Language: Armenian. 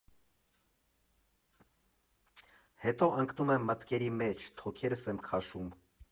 Հետո ընկնում եմ մտքերի մեջ, թոքերս եմ քաշում։